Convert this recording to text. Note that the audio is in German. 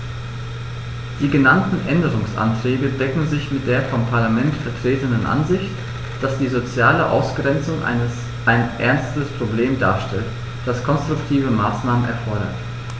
Die genannten Änderungsanträge decken sich mit der vom Parlament vertretenen Ansicht, dass die soziale Ausgrenzung ein ernstes Problem darstellt, das konstruktive Maßnahmen erfordert.